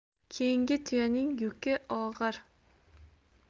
keyingi tuyaning yuki og'ir